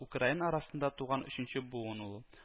Украин арасында туган өченче буын ул